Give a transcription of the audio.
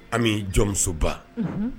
An bɛ jɔnmusoba